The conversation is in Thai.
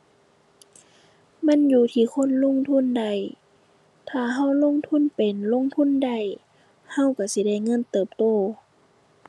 มันอยู่ที่คนลงทุนได้ ถ้าเราลงทุนเป็นลงทุนได้เราเราสิได้เงินเติบโต